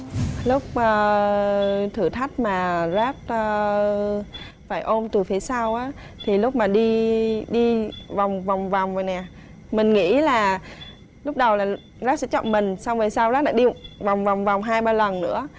lúc mà thử thách mà rát ơ phải ôm từ phía sau á thì lúc mà đi đi vòng vòng vòng nè mình nghĩ là lúc đầu là nó sẽ chọn mình xong về sau nó lại đi vòng vòng vòng hai ba lần nữa